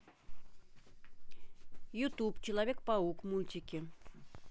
ютуб человек паук мультики